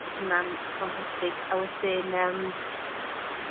odd hwnna'n ffantastig. A wedyn yym